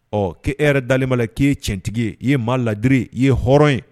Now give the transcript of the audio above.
Ɔ k' hɛrɛ dalen ma k'i tiɲɛtigi ye' ye maa ladiri ye hɔrɔn ye